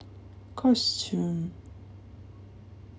costume